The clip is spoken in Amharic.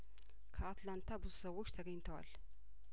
ከአትላንታ ብዙ ሰዎች ተገኝተዋል